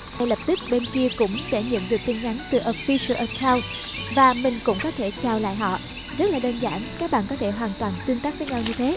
ngay lập tức bên kia cũng sẽ nhận được tin nhắn từ official account và mình cũng có thể chào lại họ rất là đơn giản các bạn có thể hoàn toàn tương tác với nhau như thế